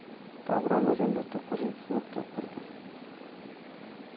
davron o'shanda to'qqizinchi sinfda o'qirdi